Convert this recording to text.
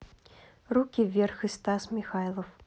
руки вверх и стас михайлов